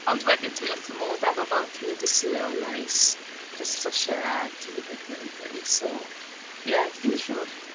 Ond wedyn, dwi wrth fy modd efo fel cinio Dydd Sul neis, jyst llysiau a cig ac gravy. So ie, dwi ddim yn siŵr.